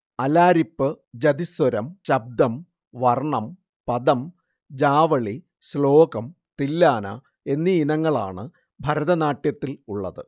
അലാരിപ്പ് ജതിസ്വരം ശബ്ദം വർണം പദം ജാവളി ശ്ലോകം തില്ലാന എന്നീ ഇനങ്ങളാണ് ഭരതനാട്യത്തിൽ ഉള്ളത്